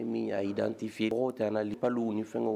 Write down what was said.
Ni min ya identifier mɔgɔw tɛnale palus ni fɛngɛw